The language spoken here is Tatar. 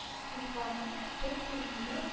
Кыйтганың төп турниры –